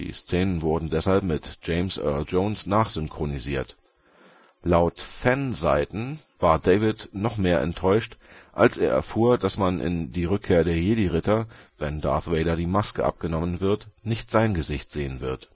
Szenen wurden deshalb mit James Earl Jones nachsynchronisiert. Laut Fanseiten war David noch mehr enttäuscht, als er erfuhr, dass man in Die Rückkehr der Jedi-Ritter, wenn Darth Vader die Maske abgenommen wird, nicht sein Gesicht sehen wird